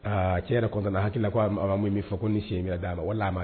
Aa cɛ yɛrɛ kɔnɔnana hakili ko min' fɔ ko ni sen d'a ma wa